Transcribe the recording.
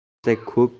ho'k desa ho'k